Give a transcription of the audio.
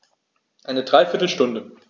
Eine dreiviertel Stunde